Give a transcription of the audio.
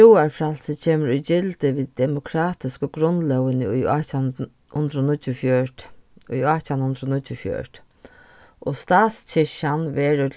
trúarfrælsi kemur í gildi við demokratisku grundlógini í átjan hundrað og níggjuogfjøruti í átjan hundrað og níggjuogfjøruti og statskirkjan verður